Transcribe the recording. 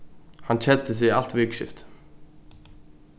hann keddi seg alt vikuskiftið